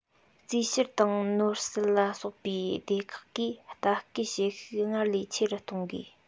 རྩིས བཤེར དང ནོར སྲིད ལ སོགས པའི སྡེ ཁག གིས ལྟ སྐུལ བྱེད ཤུགས སྔར ལས ཆེ རུ གཏོང དགོས